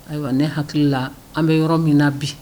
Ayiwa ne hakili la an bɛ yɔrɔ min na bi